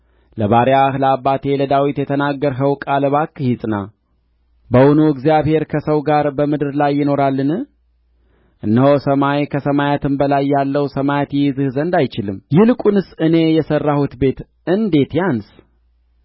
ለባሪያህ ለአባቴ ለዳዊት የተናገርኸው ቃል እባክህ ይጽና በውኑ እግዚአብሔር ከሰው ጋር በምድር ላይ ይኖራልን እነሆ ሰማይ ከሰማያትም በላይ ያለው ሰማይ ይይዝህ ዘንድ አይችልም ይልቁንስ እኔ የሠራሁት ቤት እንዴት ያንስ